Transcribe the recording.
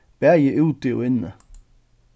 bæði úti og inni